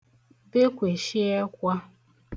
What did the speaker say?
bekwèshi ẹkwā